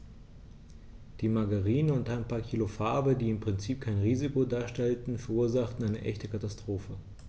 Die Margarine und ein paar Kilo Farbe, die im Prinzip kein Risiko darstellten, verursachten eine echte Katastrophe.